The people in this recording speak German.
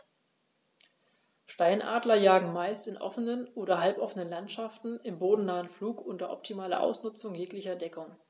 Steinadler jagen meist in offenen oder halboffenen Landschaften im bodennahen Flug unter optimaler Ausnutzung jeglicher Deckung.